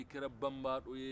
i kɛra banbandɔ ye